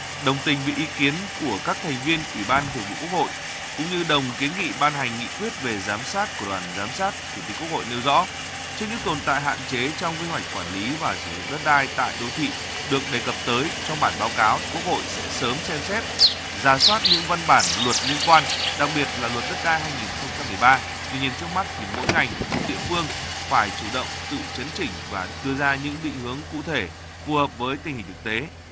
đồng tình với ý kiến của các thành viên ủy ban thường vụ quốc hội cũng như đồng kiến nghị ban hành nghị quyết về giám sát của đoàn giám sát chủ tịch quốc hội nêu rõ trước những tồn tại hạn chế trong quy hoạch quản lý và sử dụng đất đai tại đô thị được đề cập tới trong bản báo cáo quốc hội sẽ sớm xem xét rà soát những văn bản luật liên quan đặc biệt là luật đất đai hai nghìn không trăm mười ba tuy nhiên trước mắt thì mỗi ngành mỗi địa phương phải chủ động tự chấn chỉnh và đưa ra những định hướng cụ thể phù hợp với tình hình thực tế